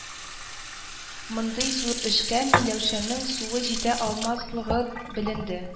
Мондый зур эшкә Миләүшәнең суы җитә алмас-лыгы беленде